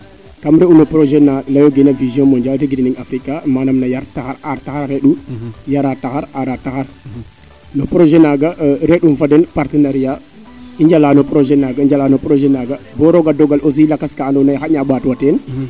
kam re'u no projet na leyogeena Vision mondiale regrimine Africa manam no yar taxar aar taxar a ree'u yaraa taxar aara taxar no projet naaga re'um fa den partenariat i njala no projet naaga njala no projet naaga bo rooga doga l aussi lakas kaa ando naye xaƴum a ɓaat wa teen